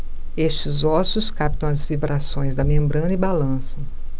estes ossos captam as vibrações da membrana e balançam